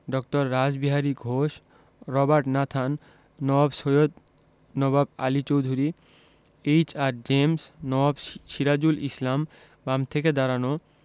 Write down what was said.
ড. Rashbehari Ghosh Robert Nathan Nawab Syed Nawab Ali Chowdhury H R. James Nawab Sirajul Islam বাম থেকে দাঁড়ানো